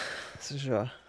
Skal vi sjå.